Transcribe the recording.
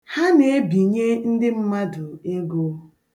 Ha na-ebinye ndị mmadụ ego.